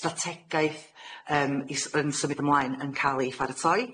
strategaeth yym i s- yn symud ymlaen yn ca'l ei pharatoi.